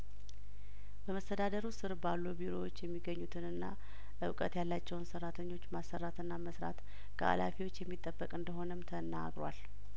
በመስተዳድሩ ስርባሉ ቢሮዎች የሚገኙትንና እውቀት ያላቸውን ሰራተኞች ማሰራትና መስራት ከሀላፊዎች የሚጠበቅ እንደሆነም ተናግሯል